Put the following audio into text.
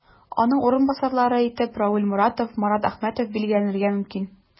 Аның урынбасарлары итеп Равил Моратов, Марат Әхмәтов билгеләнергә мөмкин.